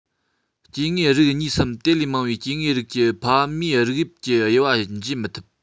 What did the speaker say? སྐྱེ དངོས རིགས གཉིས སམ དེ ལས མང བའི སྐྱེ དངོས རིགས ཀྱི ཕ མའི རིགས དབྱིབས ཀྱི དབྱེ བ འབྱེད མི ཐུབ